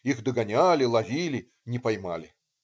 Их догоняли, ловили - не поймали".